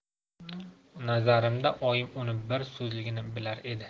nazarimda oyim uni bir so'zligini bilar edi